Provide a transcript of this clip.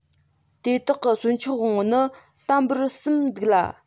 དེ དག གི སོན ཆགས དབང པོ ནི དམ པོར སུམ འདུག ལ